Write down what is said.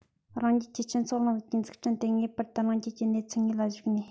རང རྒྱལ གྱི སྤྱི ཚོགས རིང ལུགས ཀྱི འཛུགས སྐྲུན དེ ངེས པར དུ རང རྒྱལ གྱི གནས ཚུལ དངོས ལ གཞིགས ནས